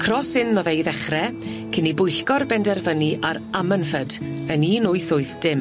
Cross Inn o'dd e i ddechre cyn i bwyllgor benderfynu ar Amanffyd yn un wyth wyth dim.